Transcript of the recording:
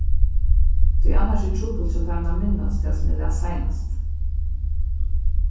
tí annars er trupult hjá teimum at minnast tað sum eg las seinast